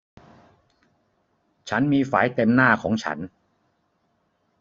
ฉันมีไฝเต็มหน้าของฉัน